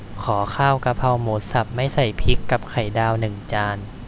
ขอข้าวกะเพราหมูสับไม่ใส่พริกกับไข่ดาวหนึ่งจาน